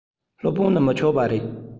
སློབ དཔོན ནི མི ཆོག པ རེད